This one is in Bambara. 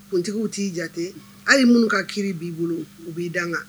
Kuntigiw t'i jate hali' minnu ka kiiri bi bolo u b'i dan kan